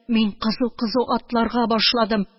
Мин кызу-кызу атларга башладым.